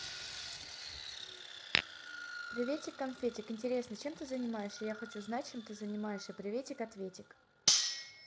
приветик конфетик интересно чем ты занимаешься я хочу знать чем ты занимаешься приветик ответик